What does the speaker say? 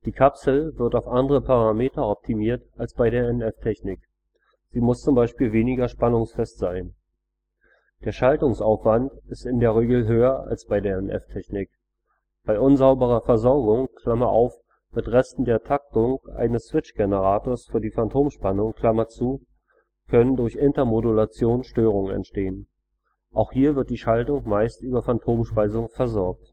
Kapsel wird auf andere Parameter optimiert als bei der NF-Technik, sie muss z. B. weniger spannungsfest sein. Der Schaltungsaufwand ist in der Regel höher als bei der NF-Technik. Bei unsauberer Versorgung (mit Resten der Taktung eines Switch-Generators für die Phantomspannung) können durch Intermodulation Störungen entstehen. Auch hier wird die Schaltung meist über Phantomspeisung versorgt